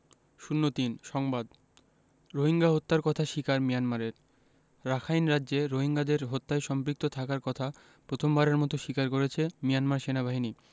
০৩ সংবাদ রোহিঙ্গা হত্যার কথা স্বীকার মিয়ানমারের রাখাইন রাজ্যে রোহিঙ্গাদের হত্যায় সম্পৃক্ত থাকার কথা প্রথমবারের মতো স্বীকার করেছে মিয়ানমার সেনাবাহিনী